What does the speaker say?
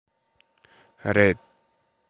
རེད